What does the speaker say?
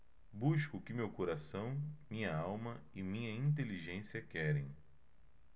busco o que meu coração minha alma e minha inteligência querem